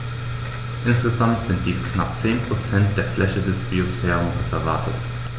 Insgesamt sind dies knapp 10 % der Fläche des Biosphärenreservates.